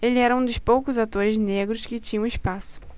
ele era um dos poucos atores negros que tinham espaço